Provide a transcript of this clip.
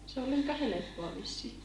se on liika helppoa vissiin